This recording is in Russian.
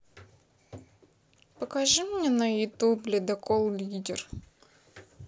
покажи мне на ютуб ледокол лидер